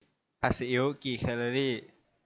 ผัดซีอิ๊วกี่แคลอรี่